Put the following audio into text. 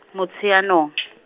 Motsheanong .